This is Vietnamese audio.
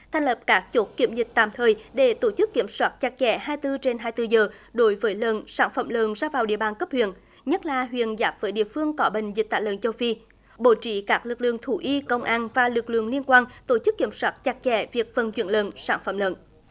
thành lập các chốt kiểm dịch tạm thời để tổ chức kiểm soát chặt chẽ hai tư trên hai tư giờ đối với lợn sản phẩm lợn ra vào địa bàn cấp huyện nhất là huyện giáp với địa phương có bệnh dịch tả lợn châu phi bố trí các lực lượng thú y công an và lực lượng liên quan tổ chức kiểm soát chặt chẽ việc vận chuyển lợn sản phẩm lợn